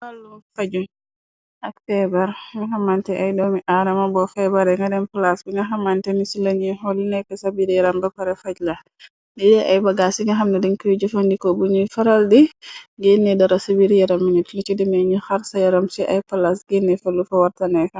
Lu faju ak feebar mi xamante ay doomi aarama boo feebare ngareen plas bi nga xamante ni ci lañi xooli nekk sabiir-yaram bapare faj la lede ay bagaas ci nga xamna diñ koy jëfandiko buñuy faral di genne dara ca biir yaram minit na ci demee ñu xar sa yaram ci ay palas genne fa lu fa wartaneeka.